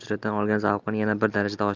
hujradan olgan zavqini yana bir darajada oshirdi